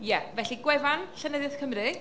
Ie, felly gwefan Llyneddiaeth Cymru.